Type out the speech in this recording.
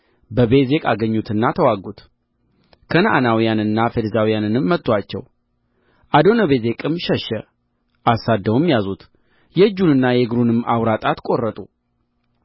በቤዜቅ አገኙትና ተዋጉት ከነዓናውያንንና ፌርዛውያንንም መቱአቸው አዶኒቤዜቅም ሸሸ አሳድደውም ያዙት የእጁንና የእግሩንም አውራ ጣት ቈረጡ